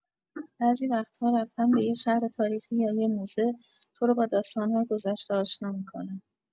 بعضی وقت‌ها رفتن به یه شهر تاریخی یا یه موزه، تو رو با داستان‌های گذشته آشنا می‌کنه.